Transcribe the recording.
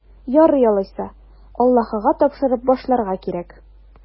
Ярый алайса, Аллаһыга тапшырып башларга кирәк.